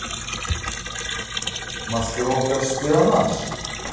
маскировка шпионаж